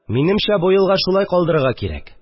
Минемчә, бу елга шулай калдырырга кирәк